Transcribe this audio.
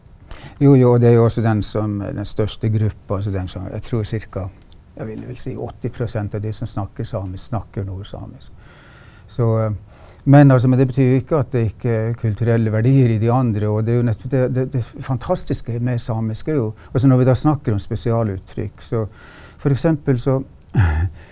jo jo det er jo også den som er den største gruppa altså den som jeg tror ca. jeg ville vel si 80% av de som snakker samisk snakker nord-samisk så men altså men det betyr jo ikke at det ikke er kulturelle verdier i de andre og det er jo nettopp det det det fantastiske med samisk er jo altså når vi da snakker om spesialuttrykk så f.eks. så .